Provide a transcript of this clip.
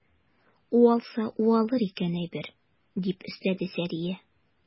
Уалса уалыр икән әйбер, - дип өстәде Сәрия.